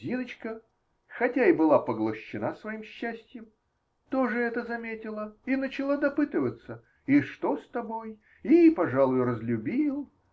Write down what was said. Зиночка, хотя и была поглощена своим счастьем, тоже это заметила и начала допытываться: и что с тобой? и, пожалуй, разлюбил?